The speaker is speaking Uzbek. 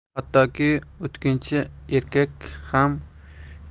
hattoki o'tkinchi erkak ham yo